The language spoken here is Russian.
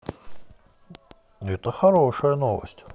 это хорошая новость